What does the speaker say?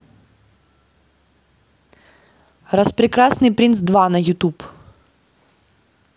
распрекрасный принц два на ютуб